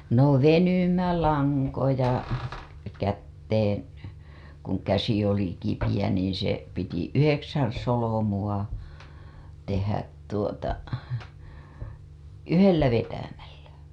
no venymälankoja käteen kun käsi oli kipeä niin se piti yhdeksän solmua tehdä tuota yhdellä vetämällä